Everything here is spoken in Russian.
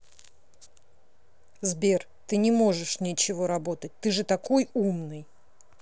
сбер ты не можешь ничего работать ты же такой умный